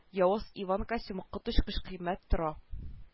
Явыз иван костюмы коточкыч кыйммәт тора